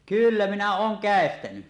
kyllä minä olen käestänyt